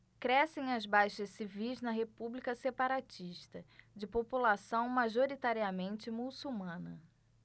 crescem as baixas civis na república separatista de população majoritariamente muçulmana